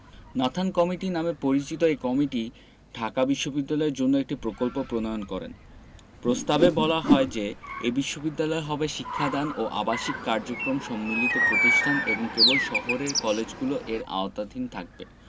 Nathan committee নামে পরিচিত এ কমিটি ঢাকা বিশ্ববিদ্যালয়ের জন্য একটি প্রকল্প প্রণয়ন করেন প্রস্তাবে বলা হয় যে এ বিশ্ববিদ্যালয় হবে শিক্ষাদান ও আবাসিক কার্যক্রম সম্মিলিত প্রতিষ্ঠান এবং কেবল শহরের কলেজগুলো এর আওতাধীন থাকবে